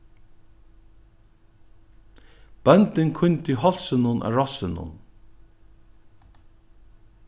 bóndin kíndi hálsinum á rossinum